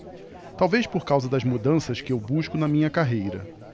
talvez por causa das mudanças que eu busco na minha carreira